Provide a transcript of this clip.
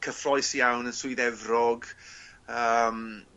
cyffrous iawn yn Swydd Efrog yym